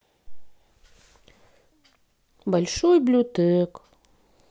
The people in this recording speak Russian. большой блютек